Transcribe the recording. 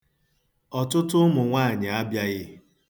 Ọtụtụ ụmụnwaanyị abaịaghị.